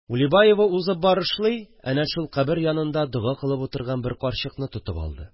Улибаева узып барышлый әнә шул кабер янында дога кылып утырган бер карчыкны тотып алды